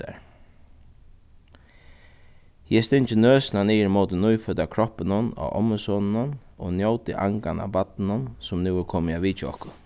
sær eg stingi nøsina niður ímóti nýfødda kroppinum á ommusoninum og njóti angan av barninum sum nú er komið at vitja okkum